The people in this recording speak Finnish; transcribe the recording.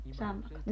sammakot